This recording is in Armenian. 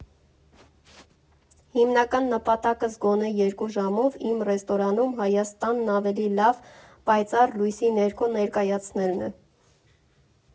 Հիմնական նպատակս գոնե երկու ժամով իմ ռեստորանում Հայաստանն ավելի լավ, պայծառ լույսի ներքո ներկայացնելն է։